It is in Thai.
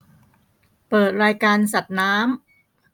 เปิดรายการสัตว์น้ำ